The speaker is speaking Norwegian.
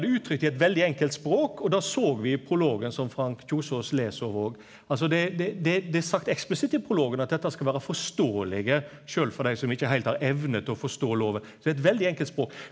det er uttrykt i eit veldig enkelt språk og det såg vi i prologen som Frank Kjosås les òg, altså det det det er sagt eksplisitt i prologen at dette skal vera forståelege sjølv for dei som ikkje heilt har evne til å forstå loven så det er eit veldig enkelt språk.